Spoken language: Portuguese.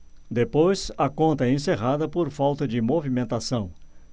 depois a conta é encerrada por falta de movimentação